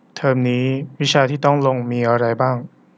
เทอมนี้วิชาที่ต้องลงมีอะไรบ้าง